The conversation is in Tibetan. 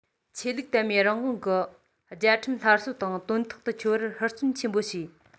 ཆོས ལུགས དད མོས རང དབང གི རྒྱལ ཁྲིམས སླར གསོ དང དོན ཐོག ཏུ འཁྱོལ བར ཧུར བརྩོན ཆེན པོ བྱས